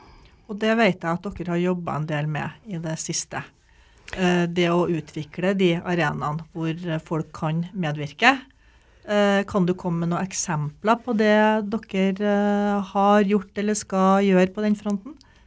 det veit jeg at dere har jobba en del med i det siste det å utvikle de arenaene hvor folk kan medvirke, kan du komme med noen eksempler på det dere har gjort eller skal gjøre på den fronten?